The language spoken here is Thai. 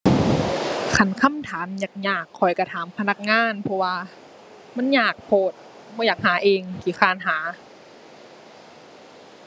คันคำถามยากยากข้อยก็ถามพนักงาน เพราะว่ามันยากโพด บ่อยากหาเอง ขี้คร้านหา